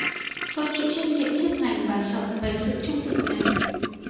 tôi chịu trách nhiệm trước ngành và sở về sự trung thực này